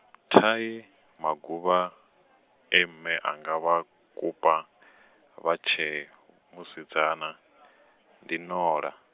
thai, Maguvha, e mme anga vha, kupa, vha tshee, musidzana, ndi ṋola.